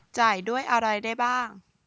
จ่ายด้วยอะไรได้บ้าง